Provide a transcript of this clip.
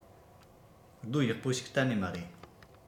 རྡོ ཡག པོ ཞིག གཏན ནས མ རེད